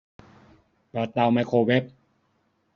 เปิดเตาไมโครเวฟ